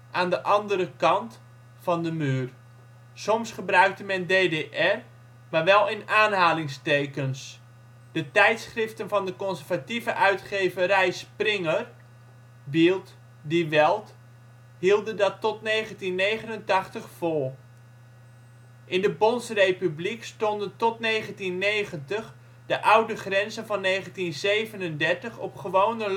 aan de andere kant " (van de Muur). Soms gebruikte men DDR, maar wél in aanhalingstekens. De tijdschriften van de conservatieve uitgeverij Springer (Bild, Die Welt) hielden dat tot 1989 vol. In de Bondsrepubliek stonden tot 1990 de oude grenzen van 1937 (in stippellijnen) op gewone landkaarten